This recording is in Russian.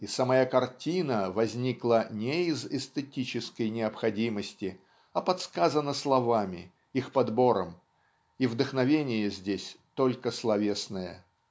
и самая картина возникла не из эстетической необходимости а подсказана словами их подбором и вдохновение здесь только словесное.